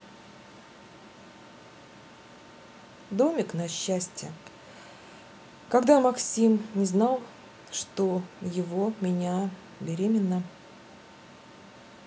домик на счастье когда максим не знал что его меня беременна